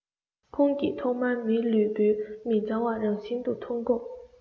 ཁོང གིས ཐོག མར མིའི ལུས པོའི མི གཙང བའི རང བཞིན དུ མཐོང སྐབས